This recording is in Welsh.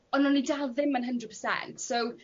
on' o'n i dal ddim yn hundred percent so